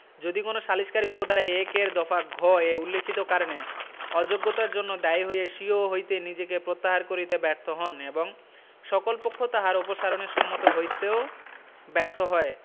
যদি কোন সালিসকারী উপ ধারা ১ এর দফা ঘ এ উল্লেখিত কারণে অযোগ্যতার জন্য দায়ী হইয়া স্বীয় হইতে নিজেকে প্রত্যাহার কারিতে ব্যর্থ হন এবং সকল পক্ষ তাহার অপসারণে সম্মত হইতেও ব্যর্থ হয়